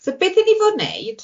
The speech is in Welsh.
So beth i ni fod wneud?